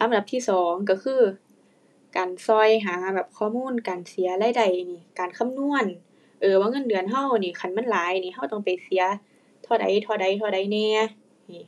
อันดับที่สองก็คือ การก็หาแบบข้อมูลการเสียรายได้นี่ การคำนวณ เออ ว่าเงินเดือนก็นี่ คันมันหลายนี่ ก็ต้องไปเสียเท่าใด เท่าใด เท่าใดแหน่ นี่